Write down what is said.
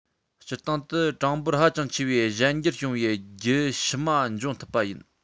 སྤྱིར བཏང དུ གྲངས འབོར ཧ ཅང ཆེ བའི གཞན འགྱུར བྱུང བའི རྒྱུད ཕྱི མ འབྱུང ཐུབ པ ཡིན